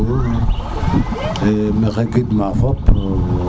maxey gid ma fop